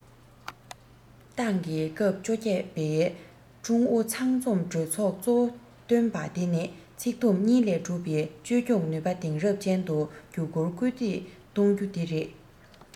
ཏང གི སྐབས བཅོ བརྒྱད པའི ཀྲུང ཨུ ཚང འཛོམས གྲོས ཚོགས གཙོ བོ བཏོན པ དེ ནི ཚིག དུམ གཉིས ལས གྲུབ པའི བཅོས སྐྱོང ནུས པ དེང རབས ཅན དུ འགྱུར རྒྱུར སྐུལ འདེད གཏོང རྒྱུ དེ རེད